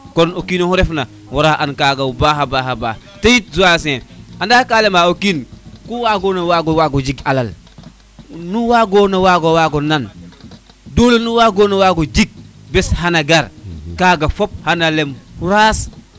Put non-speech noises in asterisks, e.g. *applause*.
*music* kon o kinoxu ref na wara an kaga a paxa paax teyit Zancier anda ka lema o kiin ku wagona waago jeg alalnu wagona wago nan dole nu wagona wago jig bes xana gar kaga fop xana lem raas